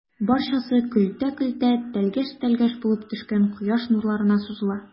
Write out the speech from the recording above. Барчасы көлтә-көлтә, тәлгәш-тәлгәш булып төшкән кояш нурларына сузыла.